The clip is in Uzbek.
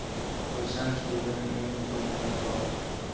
qo'ysang chi dedim uning qo'lidan tortib